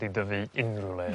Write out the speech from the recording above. ...allu dyfu unrywle...